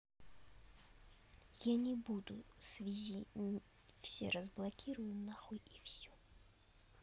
я не буду связи все разблокирую нахуй и все